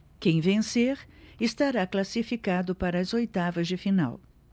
quem vencer estará classificado para as oitavas de final